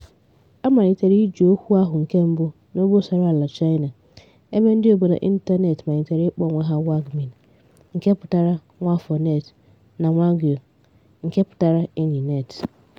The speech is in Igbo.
A malitere iji okwu ahụ nke mbụ n'obosaraala China, ebe ndị obodo ịntanetị malitere ịkpọ onwe ha wǎngmín (网民, nke pụtara "nwaafọ-net") na wǎngyǒu (网友, nke pụtara "enyi-net").